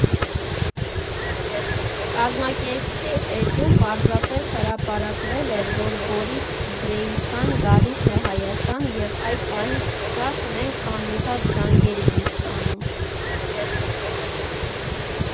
Կազմակերպչի էջում պարզապես հրապարակվել էր, որ Բորիս Բրեիխան գալիս է Հայաստան և այդ պահից սկսած մենք անընդհատ զանգեր էինք ստանում։